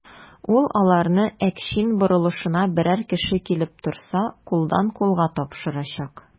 Ул аларны Әкчин борылышына берәр кеше килеп торса, кулдан-кулга тапшырачак.